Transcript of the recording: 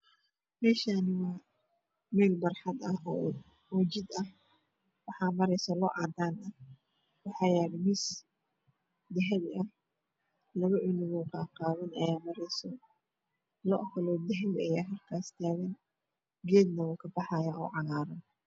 Mesha wameel barxad oo jid ah waxa mareyso lo cadaan ah waxa yalo miis dahabi ah labo culig oo qaqaban aa mareyso lo kala dahbi aya halkas tagan geed wuu kabaxa ya oo cagaran